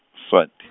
Swati.